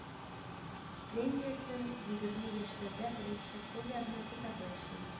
Премиясен егерме яшьләрдә беренче кулъязма китабы өчен